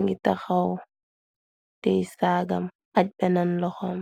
ngi taxaw tée saggam aj bennen loxom.